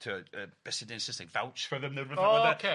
T'wodyy be' sy'n deud yn Saesneg, vouch for them ne' rwbeth fel 'a 'de? O ocê.